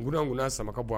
Gugu kunna sama ka bɔ